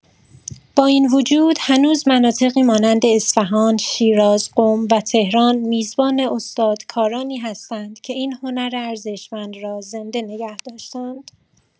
با این وجود هنوز مناطقی مانند اصفهان، شیراز، قم و تهران میزبان استادکارانی هستند که این هنر ارزشمند را زنده نگه داشته‌اند.